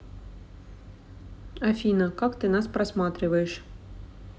афина как ты нас просматриваешь